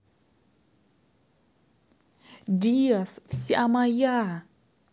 diazz вся моя